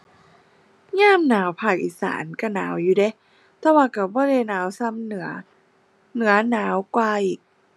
ยามหนาวภาคอีสานก็หนาวอยู่เดะ แต่ว่าก็บ่ได้หนาวส่ำเหนือ เหนือหนาวกว่าอีก